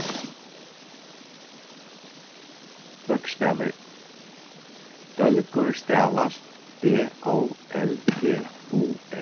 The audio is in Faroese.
bókstavir dólgur stavast d ó l g u